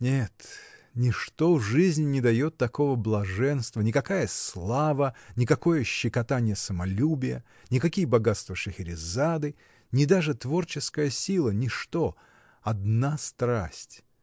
Нет, ничто в жизни не дает такого блаженства, никакая слава, никакое щекотанье самолюбия, никакие богатства Шехерезады, ни даже творческая сила, ничто. одна страсть!